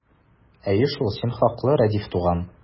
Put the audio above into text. Әйе шул, син хаклы, Рәдиф туган!